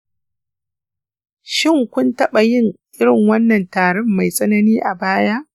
shin kun taɓa yin irin wannan tarin mai tsanani a baya?